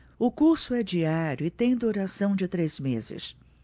o curso é diário e tem duração de três meses